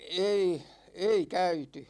ei ei käyty